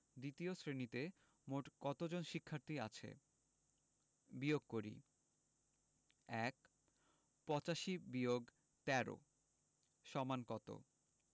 দ্বিতীয় শ্রেণিতে মোট কত জন শিক্ষার্থী আছে বিয়োগ করিঃ ১ ৮৫-১৩ = কত